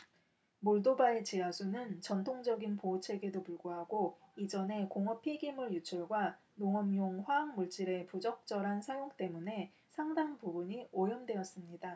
몰도바의 지하수는 전통적인 보호책에도 불구하고 이전의 공업 폐기물 유출과 농업용 화학 물질의 부적절한 사용 때문에 상당 부분이 오염되었습니다